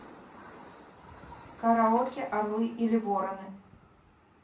караоке орлы или вороны